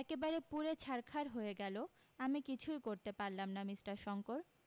একেবারে পুড়ে ছারখার হয়ে গেলো আমি কিছুই করতে পারলাম না মিষ্টার শংকর